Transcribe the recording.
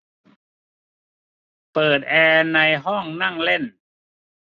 เปิดแอร์ในห้องนั่งเล่น